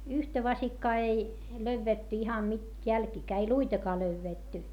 yhtä vasikkaa ei löydetty ihan nyt jälkiäkään ei luitakaan löydetty